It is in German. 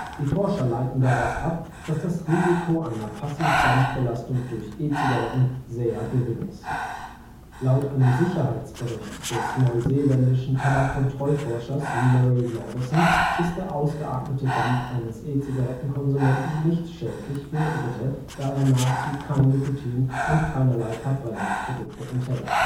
Die Forscher leiten daraus ab, dass das Risiko einer Passivdampfbelastung durch E-Zigaretten sehr gering ist. Laut einem Sicherheitsbericht des neuseeländischen Tabakkontrollforschers Murray Laugesen ist der ausgeatmete Dampf eines E-Zigarettenkonsumenten nicht schädlich für Dritte, da er nahezu kein Nikotin und keinerlei Verbrennungsprodukte enthält